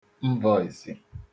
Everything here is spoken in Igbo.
mvọịsị